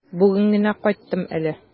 Бүген генә кайттым әле.